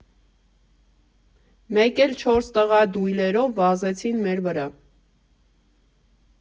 Մեկ էլ չորս տղա դույլերով վազեցին մեր վրա։